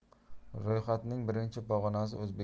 ro'yxatning birinchi pog'onasi